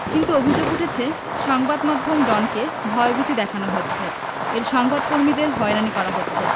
কিন্তু অভিযোগ উঠেছে সংবাদ মাধ্যম ডনকে ভয়ভীতি দেখানো হচ্ছে এর সংবাদ কর্মীদের হয়রানি করা হচ্ছে